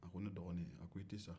a ko ne dɔgɔnin i tɛ sa